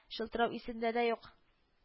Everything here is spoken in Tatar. Чылтырау исендә дә юк